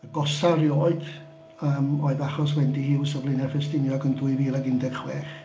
Y agosa erioed yym oedd achos Wendy Hughes o Flaenau Ffestiniog yn dwy fil ag un deg chwech.